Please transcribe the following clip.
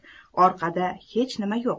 orqada hech nima yo'q